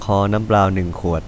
ขอน้ำเปล่าหนึ่งขวด